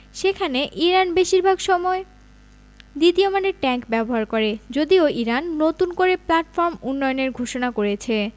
সেখানে ইরান বেশির ভাগ সময় দ্বিতীয় মানের ট্যাংক ব্যবহার করে যদিও ইরান নতুন করে প্ল্যাটফর্ম উন্নয়নের ঘোষণা করেছে